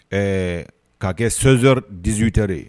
Ɛɛ k'a kɛ 16 heures - 18 heures ye